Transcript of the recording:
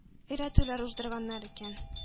Өйрәтүләр уздырганнар икән